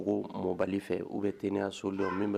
Mɔbali fɛ u bɛ t so dɔn